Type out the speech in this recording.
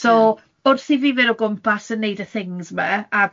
M-hm. So wrth i fi fynd o gwmpas yn 'neud y things 'ma,